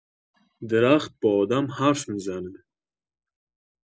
درخت با آدم حرف می‌زنه.